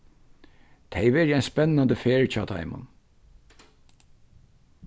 tað hevði verið ein spennandi ferð hjá teimum